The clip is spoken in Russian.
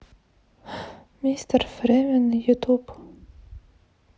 мистер фримен ютуб